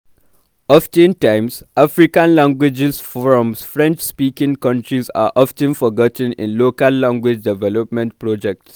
Oftentimes, African languages from French-speaking countries are often forgotten in local language development projects.